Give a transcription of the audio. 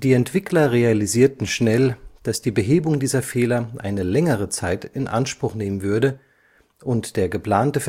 Entwickler realisierten schnell, dass die Behebung dieser Fehler eine längere Zeit in Anspruch nehmen würde, und der geplante